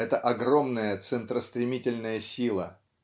эта огромная центростремительная сила.